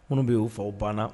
Minnu bɛ y'u faw banna